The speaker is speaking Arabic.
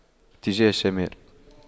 اتجاه الشمال